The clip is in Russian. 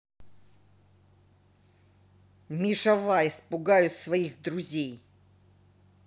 миша вайс пугаю своих друзей